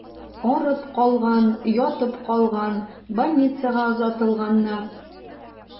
Арып калган, ятып калган, больницага озатылганнар.